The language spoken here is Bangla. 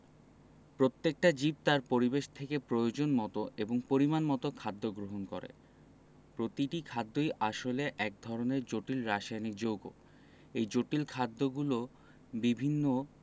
প্রত্যেকটা জীব তার পরিবেশ থেকে প্রয়োজনমতো এবং পরিমাণমতো খাদ্য গ্রহণ করে প্রতিটি খাদ্যই আসলে এক ধরনের জটিল রাসায়নিক যৌগ এই জটিল খাদ্যগুলো বিভিন্ন